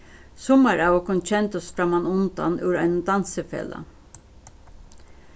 summar av okkum kendust frammanundan úr einum dansifelag